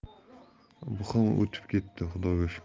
bu ham o'tib ketdi xudoga shukr